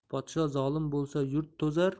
podsho zolim bo'lsa yurt to'zar